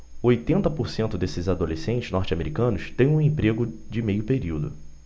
oitenta por cento desses adolescentes norte-americanos têm um emprego de meio período